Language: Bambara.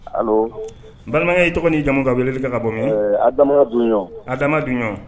Balimaya ye i tɔgɔ' jamu ka weleeleli ka bɔ min a a adama dunɔn